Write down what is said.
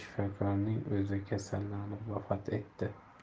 shifokorning o'zi kasallanib vafot etdi